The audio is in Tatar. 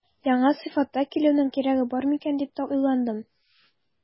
Яңа сыйфатта килүнең кирәге бар микән дип тә уйландым.